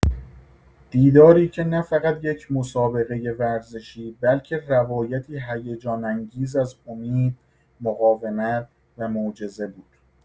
دیداری که نه‌فقط یک مسابقه ورزشی، بلکه روایتی هیجان‌انگیز از امید، مقاومت و معجزه بود.